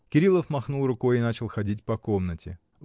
Кирилов махнул рукой и начал ходить по комнате.